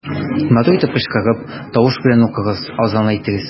Матур итеп кычкырып, тавыш белән укыгыз, азан әйтегез.